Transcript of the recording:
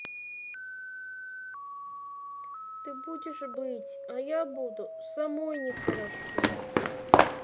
ты будешь быть а я буду самой нехорошо